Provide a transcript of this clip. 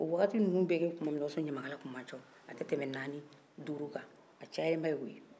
o wagati ninnu bɛ kɛ tuma min na o ka sɔrɔ ɲamakala tun man ca a tɛ tɛmɛ naani kan